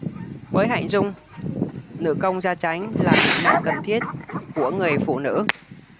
với hạnh dung nữ công gia chánh là kỹ năng cần thiết của người phụ nữ